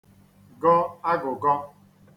gọ agụ̀gọ